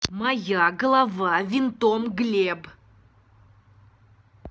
моя голова винтом глеб